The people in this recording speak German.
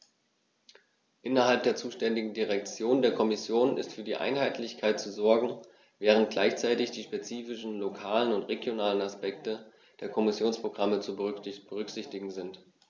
Innerhalb der zuständigen Direktion der Kommission ist für Einheitlichkeit zu sorgen, während gleichzeitig die spezifischen lokalen und regionalen Aspekte der Kommissionsprogramme zu berücksichtigen sind.